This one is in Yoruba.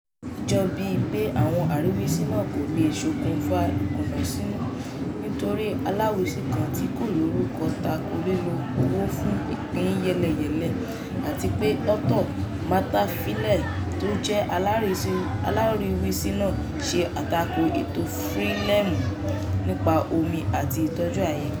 Ó jọ bíi pé àwọn àríwísí náà kò lè ṣòkùnfà ìkùnsínú , nítorí alariwisi kan ti kó lorukọ tako lílo owó fún ìpín-yẹ́lẹyẹ̀lẹ, àtí pé Artur Matavele tó jẹ́ aláríwísí náà ṣe àtakò ètò Frelimo nípa omi àti ìtọ́jú àyíká.